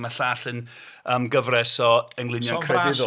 Mae'r llall yn yym gyfres o englynion crefyddol.